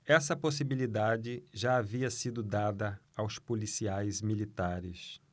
essa possibilidade já havia sido dada aos policiais militares